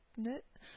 Не